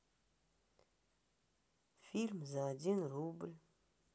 фильм за один рубль